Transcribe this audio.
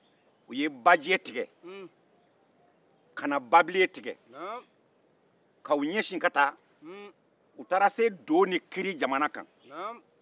u ye bajɛ tigɛ ka na bawulen tigɛ ka u ɲɛsin ka taa u taara se do ni kiiri jamana kan